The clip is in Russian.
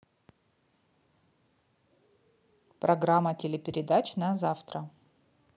программа телепередач на завтра